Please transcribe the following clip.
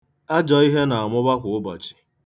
Ajọ ihe na-amụba kwa ụbọchị.